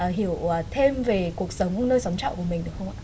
hiểu thêm về cuộc sống nơi xóm trọ của mình được không ạ